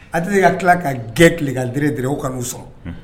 A de de ka tila ka gɛn tile ka d der u ka n u sɔrɔ